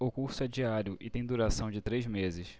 o curso é diário e tem duração de três meses